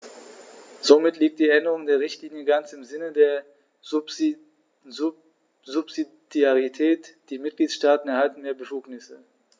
Somit liegt die Änderung der Richtlinie ganz im Sinne der Subsidiarität; die Mitgliedstaaten erhalten mehr Befugnisse.